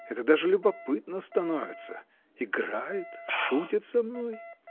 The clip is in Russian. Это даже любопытно становится. Играет, шутит со мной?